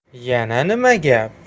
yana nima gap